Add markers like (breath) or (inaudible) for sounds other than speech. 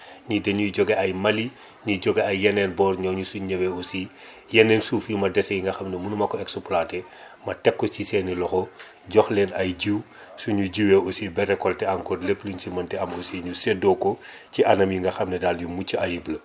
(breath) ñii dañuy jógee ay Mali (inhales) ñii jóge ay yeneen boor ñooñu suñu ñëwee aussi (breath) yeneen suuf yi ma dese yi nga xam ne munu ma ko exploité (inhales) ma teg ko ci seen i loxo jox leen ay jiwu sunu jiwee aussi ba récolté encore lépp luñ si mënti am aussi ñu séddoo ko (inhales) ci anam yi nga xam ne daal di mucc ayib la